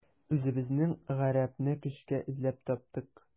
Үзебезнең гарәпне көчкә эзләп таптык.